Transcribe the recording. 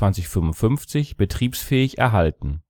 2155, betriebsfähig erhalten